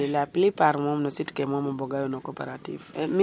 la plus part mom no sit ke moom a mboga yo no cooperative